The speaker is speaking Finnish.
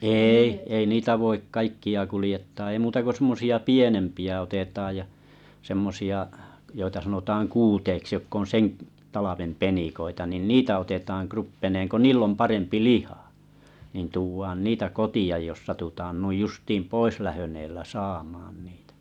ei ei niitä voi kaikkia kuljettaa ei muuta kuin semmoisia pienempiä otetaan ja semmoisia joita sanotaan kuuteiksi jotka on sen - talven penikoita niin niitä otetaan kruppeineen kun niillä on parempi liha niin tuodaan niitä kotiin jos satutaan noin justiin poislähdön edellä saamaan niitä